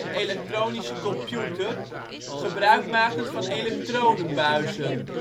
elektronische computer, gebruik makend van elektronenbuizen